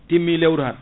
timmi lewru han